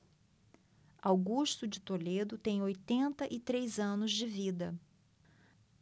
augusto de toledo tem oitenta e três anos de vida